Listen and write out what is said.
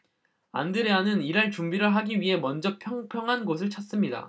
안드레아는 일할 준비를 하기 위해 먼저 평평한 곳을 찾습니다